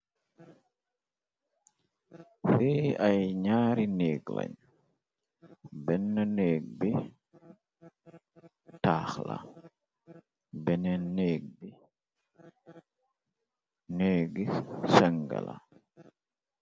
Fiy ay ñaari néeg lañ benn néeg bi taaxla bennen neegi sëngala.